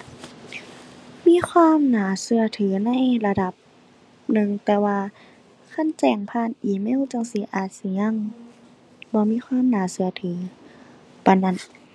มีความน่าเชื่อถือในระดับหนึ่ง แต่ว่าคันแจ้งผ่านอีเมลจั่งซี้อาจสิยังบ่มีความน่าเชื่อถือปานนั้น